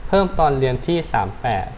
เพิ่มตอนเรียนที่สามแปด